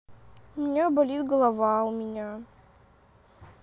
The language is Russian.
у меня болит голова у меня